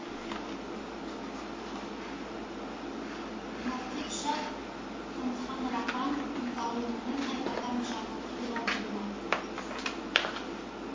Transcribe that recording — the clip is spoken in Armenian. Մարդիկ շատ ընդհանրական ընկալում ունեն հայկական մշակույթի վերաբերյալ։